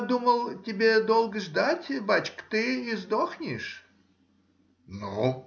— Думал, тебе долго ждать, бачка,— ты издохнешь. — Ну?